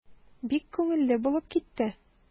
Бик күңелле булып китте.